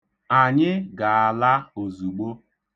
Anyị ga-ala ozugbo.